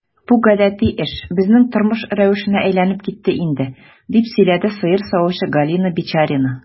Бу гадәти эш, безнең тормыш рәвешенә әйләнеп китте инде, - дип сөйләде сыер савучы Галина Бичарина.